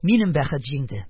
Минем бәхет җиңде: